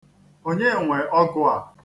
Onye nwe ọgụ a?